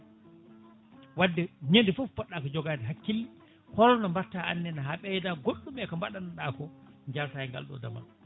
wadde ñande foof poɗɗa ko jogade hakkille holno mbatta annene ha ɓeyda goɗɗum eko mbaɗanno ɗa ko jalta e galɗo damal